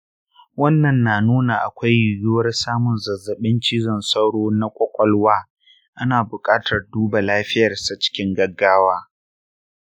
wannan na nuna akwai yiwuwar samun zazzabin cizon sauro na kwakwalwa; ana buƙatar duba lafiyarsa cikin gaggawa.